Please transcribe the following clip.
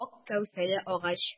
Ак кәүсәле агач.